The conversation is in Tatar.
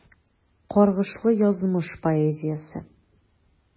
Каргышлы язмыш поэзиясе.